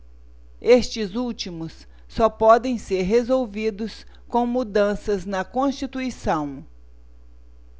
estes últimos só podem ser resolvidos com mudanças na constituição